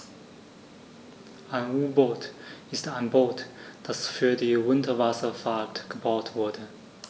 Ein U-Boot ist ein Boot, das für die Unterwasserfahrt gebaut wurde.